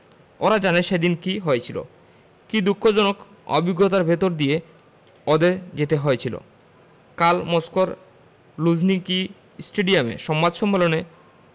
ওরা জানে সেদিন কী হয়েছিল কী দুঃখজনক অভিজ্ঞতার ভেতর দিয়ে ওদের যেতে হয়েছিল কাল মস্কোর লুঝনিকি স্টেডিয়ামের সংবাদ সম্মেলনে